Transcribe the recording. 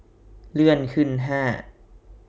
เลื่อนขึ้นห้า